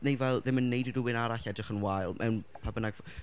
Neu fel ddim yn wneud i rywun arall edrych yn wael mewn pa bynnag ff...